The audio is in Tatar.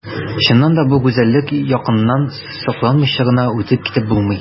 Чыннан да бу гүзәллек яныннан сокланмыйча гына үтеп китеп булмый.